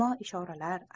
imo ishoralar